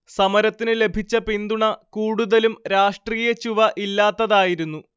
സമരത്തിന് ലഭിച്ച പിന്തുണ കൂടുതലും രാഷ്ട്രീയച്ചുവ ഇല്ലാത്തതായിരുന്നു